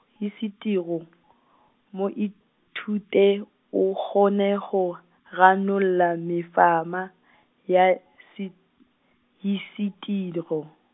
hisetori , moithuti o kgone go, ranola mefama, ya se hise- .